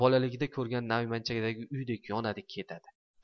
bolaligida ko'rgan naymanchadagi uydek yonadi ketadi